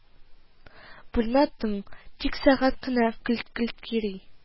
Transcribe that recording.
Бүлмә тын, тик сәгать кенә келт-келт йөри